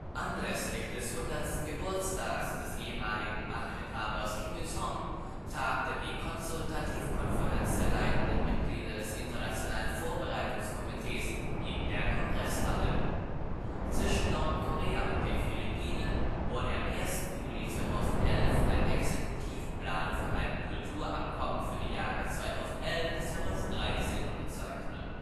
Anlässlich des 100. Geburtstags des ehemaligen Machtinhabers Kim Il-sung tagte die Konsultativkonferenz der leitenden Mitglieder des Internationalen Vorbereitungskomitees in der Kongresshalle. Zwischen Nordkorea und den Philippinen wurde am 1. Juli 2011 ein Exekutivplan für ein Kulturabkommen für die Jahre 2011 bis 2013 unterzeichnet